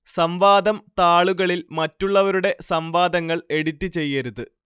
സംവാദം താളുകളിൽ മറ്റുള്ളവരുടെ സംവാദങ്ങൾ എഡിറ്റ് ചെയ്യരുത്